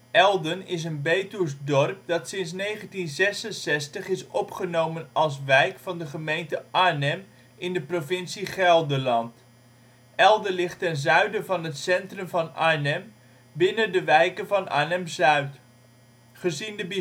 Elden is een Betuws dorp dat sinds 1966 is opgenomen als wijk van de gemeente Arnhem, provincie Gelderland. Elden ligt ten zuiden van het centrum van Arnhem, binnen de wijken van Arnhem-Zuid. Gezien de